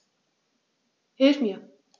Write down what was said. Hilf mir!